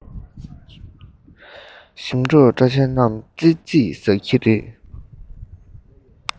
ཞིམ ཕྲུག པྲ ཆལ རྣམས ཙི ཙིས ཟ གི རེད